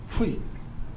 Foyi .